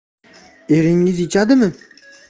eringiz ichadimi